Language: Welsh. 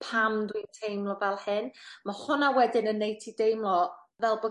pam dwi'n teimlo fel hyn. Ma' hwnna wedyn yn wneu ti deimlo fel bod